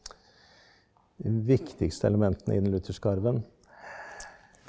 viktigste elementene i den lutherske arven.